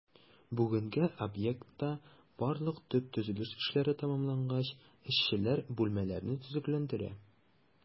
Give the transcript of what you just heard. Бүгенгә объектта барлык төп төзелеш эшләре тәмамланган, эшчеләр бүлмәләрне төзекләндерә.